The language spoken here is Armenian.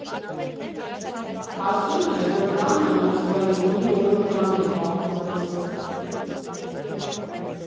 Ասում է, որ տանը, Մոսկվայում ունի որոշ բաներ պահպանված։